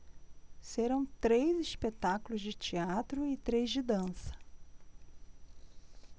serão três espetáculos de teatro e três de dança